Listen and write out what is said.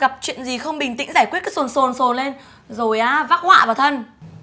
gặp chuyện gì không bình tĩnh giải quyết cứ sồn sồn sồn lên rồi á vác họa vào thân